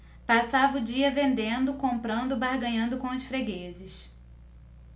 passava o dia vendendo comprando barganhando com os fregueses